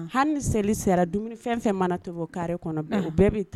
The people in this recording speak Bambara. Hali ni seli sera dumuni fɛn o fɛn mana tobi o care kɔnɔ bɔ kɔnɔ u bɛɛ bɛ taa